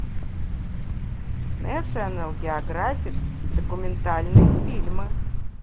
нэшионал географик документальные фильмы